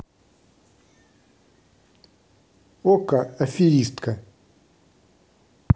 okko аферистка